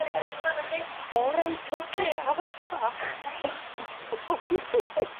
...'dyn ni'n barod amdanoch chi. O reit oce aros yn bach. Wnâ i.